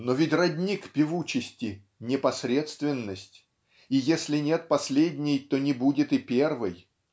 Но ведь родник певучести -- непосредственность и если нет последней то не будет и первой